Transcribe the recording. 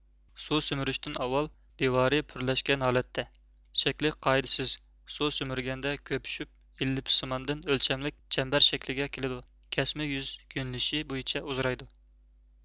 سۇ سۈمۈرۈشتىن ئاۋۋال دىۋارى پۈرلەشكەن ھالەتتە شەكلى قائىدىسىز سۇ سۈمۈرگەندە كۆپۈشۈپ ئېللىپىسسىماندىن ئۆلچەملىك چەمبەر شەكىلگە كېلىدۇ كەسمە يۈز يۆنىلىشى بويىچە ئۇزىرايدۇ